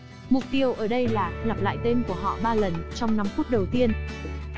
mục tiêu ở đây là lặp lại tên của họ ba lần trong năm phút đầu tiên